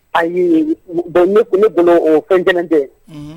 Ayi ne ne bɔn o fɛn kelen tɛ